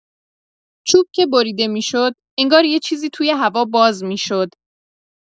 چوب که بریده می‌شد، انگار یه چیزی توی هوا باز می‌شد.